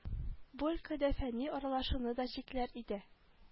Бу өлкәдә фәнни аралашуны да чикләр иде